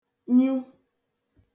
nyu